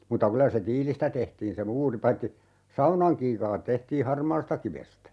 mutta kyllä se tiilistä tehtiin se muuri paitsi saunan kiukaat tehtiin harmaastakivestä